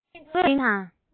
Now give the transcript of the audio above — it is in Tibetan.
འཇིག རྟེན དངོས དང